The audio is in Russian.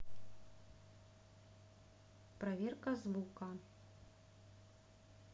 проверка звука